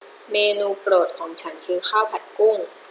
เมนูโปรดของฉันคือข้าวผัดกุ้ง